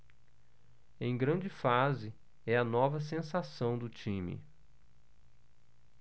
em grande fase é a nova sensação do time